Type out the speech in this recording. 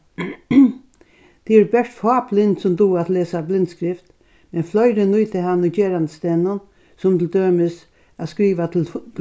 tað eru bert fá blind sum duga at lesa blindskrift men fleiri nýta hana í gerandisdegnum sum til dømis at skriva